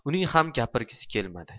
uning ham gapirgisi kelmadi